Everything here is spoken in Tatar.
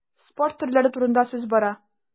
Спорт төрләре турында сүз бара.